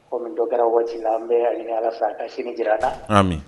Comme dɔ kɛra wagati la . An ba ɲini Ala fɛ a ka sini jira an na. Ami